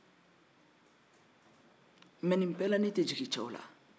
nin bɛɛ la ne tɛ jigin cɛw la